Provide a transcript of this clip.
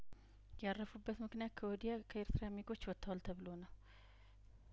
ያረፈበት ምክንያት ከወዲያ ከኤርትራ ሚጐች ወጥተዋል ተብሎ ነው